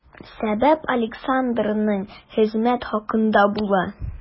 Сәбәп Александрның хезмәт хакында була.